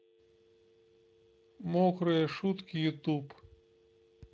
мокрые шутки ютуб